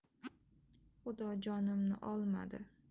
xudo jonimni olmadi